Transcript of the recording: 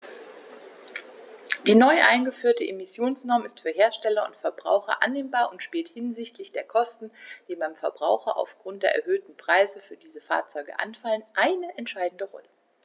Die neu eingeführte Emissionsnorm ist für Hersteller und Verbraucher annehmbar und spielt hinsichtlich der Kosten, die beim Verbraucher aufgrund der erhöhten Preise für diese Fahrzeuge anfallen, eine entscheidende Rolle.